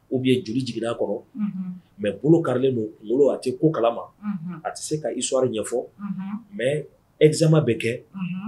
U bɛ ye juru jigin kɔrɔ mɛ bolo karilen' bolo a tɛ ko kalama a tɛ se ka iwari ɲɛ ɲɛfɔ mɛ ezsama bɛ kɛ